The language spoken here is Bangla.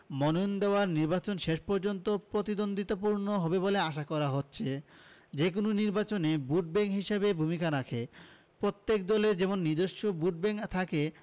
মনোনয়ন দেওয়ায় নির্বাচন শেষ পর্যন্ত প্রতিদ্বন্দ্বিতাপূর্ণ হবে বলে আশা করা হচ্ছে যেকোনো নির্বাচনে ভোটব্যাংক বিশেষ ভূমিকা রাখে প্রত্যেক দলের যেমন নিজস্ব ভোটব্যাংক থাকে